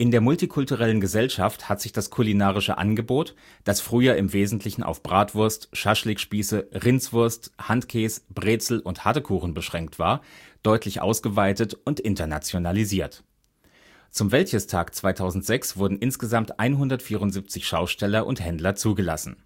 der multikulturellen Gesellschaft hat sich das kulinarische Angebot, das früher im wesentlichen auf Bratwurst, Schaschlikspieße, Rindswurst, Handkäs, Brezel und Hartekuchen beschränkt war, deutlich ausgeweitet und internationalisiert. Zum Wäldchestag 2006 wurden insgesamt 174 Schausteller und Händler zugelassen